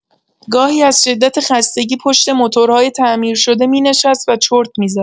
گاهی از شدت خستگی پشت موتورهای تعمیر شده می‌نشست و چرت می‌زد.